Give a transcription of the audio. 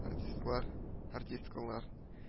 Артистлар, артисткалар!»